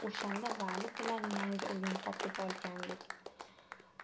o'shanda vali bilan yangi o'yin topib olgandik